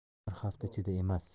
bir hafta ichida emas